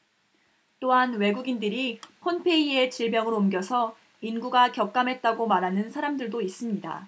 또한 외국인들이 폰페이에 질병을 옮겨서 인구가 격감했다고 말하는 사람들도 있습니다